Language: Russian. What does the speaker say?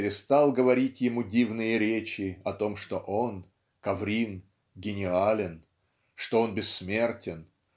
перестал говорить ему дивные речи о том что он Коврин гениален что он бессмертен